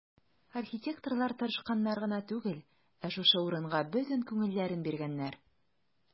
Архитекторлар тырышканнар гына түгел, ә шушы урынга бөтен күңелләрен биргәннәр.